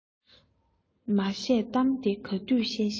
མ བཤད གཏམ དེ ག དུས བཤད བཤད རེད